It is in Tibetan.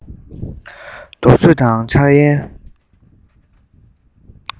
རྟོག བཟོ དང འཆར ཡན